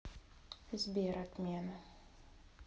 сбер отмена